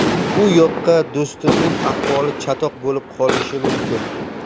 u yoqda do'stimning ahvoli chatoq bo'lib qolishi mumkin